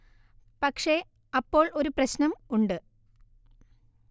പക്ഷെ അപ്പോൾ ഒരു പ്രശ്നം ഉണ്ട്